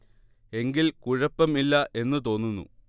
എങ്കിൽ കുഴപ്പം ഇല്ല എന്നു തോന്നുന്നു